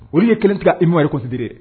O ye kelentigɛ i mmori codi de ye